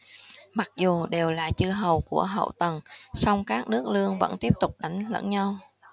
mặc dù đều là chư hầu của hậu tần song các nước lương vẫn tiếp tục đánh lẫn nhau